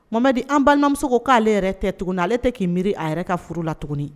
Mamadi an balimamuso ko k'ale yɛrɛ tɛ tugun ale tɛ k'i miiri a yɛrɛ ka furu la tuguni